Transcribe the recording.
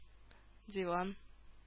Диван